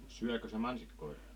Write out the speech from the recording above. syökö se mansikoita